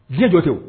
Diɲɛ dɔ tɛ